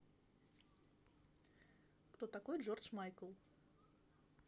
кто такой джордж майкл